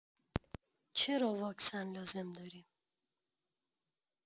چرا واکسن لازم داریم؟